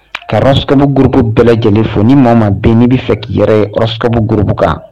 Kaskamɔ gobugu bɛɛ lajɛlen fɔ ni maa ma bɛn n' b'a fɛ k'i yɛrɛ yeyɔrɔska gbugukan